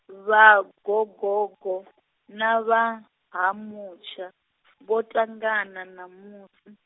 vha Gogogo, na vha, Ha Mutsha, vho ṱangana ṋamusi.